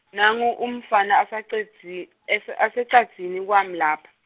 nangu umfana asecedzi- ese- asecadzini kwami lapha.